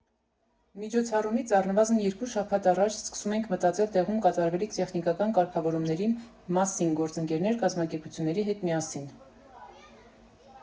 Միջոցառումից առնվազն երկու շաբաթ առաջ սկսում ենք մտածել տեղում կատարվելիք տեխնիկական կարգավորումների մասին գործընկեր կազմակերպությունների հետ միասին։